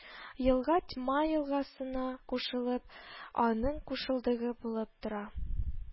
Елга Тьма елгасына кушылып, аның кушылдыгы булып тора